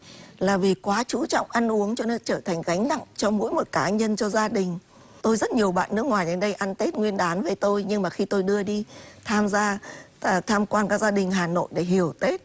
là vì quá chú trọng ăn uống cho nên trở thành gánh nặng cho mỗi một cá nhân cho gia đình tôi rất nhiều bạn nước ngoài đến đây ăn tết nguyên đán với tôi nhưng mà khi tôi đưa đi tham gia và tham quan các gia đình hà nội để hiểu tết